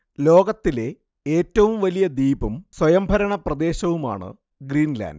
ലോകത്തിലെ ഏറ്റവും വലിയ ദ്വീപും സ്വയംഭരണ പ്രദേശവുമാണ് ഗ്രീൻലാൻഡ്